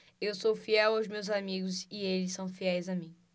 eu sou fiel aos meus amigos e eles são fiéis a mim